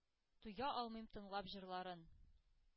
Туя алмыйм тыңлап җырларын,